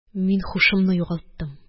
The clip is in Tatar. Мин һушымны югалттым